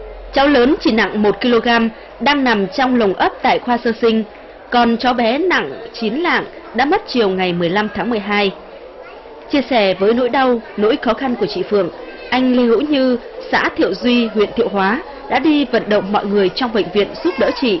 cháu lớn chỉ nặng một ki lô gam đang nằm trong lồng ấp tại khoa sơ sinh còn cháu bé nặng chín lạng đã mất chiều ngày mười lăm tháng mười hai chia sẻ với nỗi đau nỗi khó khăn của chị phượng anh lê hữu như xã thiệu duy huyện thiệu hóa đã đi vận động mọi người trong bệnh viện giúp đỡ chị